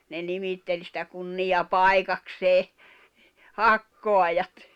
ne nimitteli sitä kunniapaikakseen hakkaajat